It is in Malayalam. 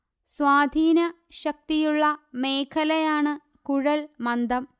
സ്വാധീന ശക്തിയുള്ള മേഖലയാണ് കുഴൽ മന്ദം